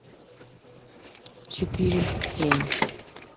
четыре семь